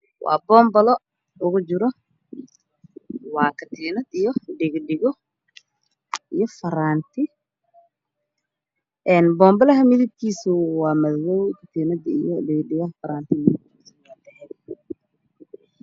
waa buu. bule igu jiro waa ka tiinad ugu jiro